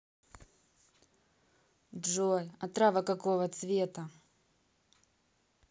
джой отрава какого цвета